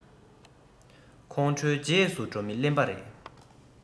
ཁོང ཁྲོའི རྗེས ལ འགྲོ མི གླེན པ རེད